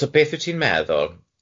So beth wyt ti'n meddwl?